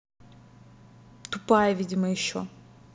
тупая видимо еще